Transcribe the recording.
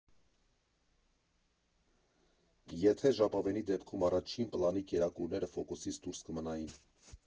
Եթե ժապավենի դեպքում առաջին պլանի կերակուրները ֆոկուսից դուրս կմնային։